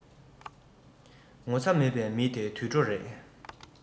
ངོ ཚ མེད པའི མི དེ དུད འགྲོ རེད